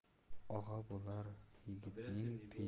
og'a bo'lar yigitning